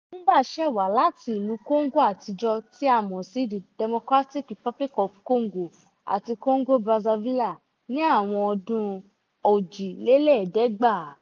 Rhumba ṣẹ̀ wá láti ìlú Kongo àtijọ́ tí a mọ̀ sí The Democratic Republic of Congo àti Congo-Brazaville ní àwọn ọdún 1940.